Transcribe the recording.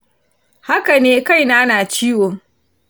hakane kai na na ciwo